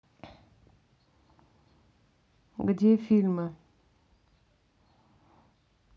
где фильмы